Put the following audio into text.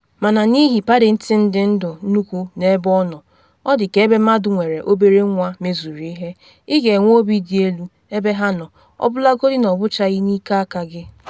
“Mana n’ihi Paddington dị ndụ nnukwu n’ebe ọ nọ, ọ dị ka ebe mmadụ nwere obere nwa mezuru ihe: ị ga-enwe obi dị elu ebe ha nọ ọbụlagodi na ọ bụchaghị n’ike aka gị.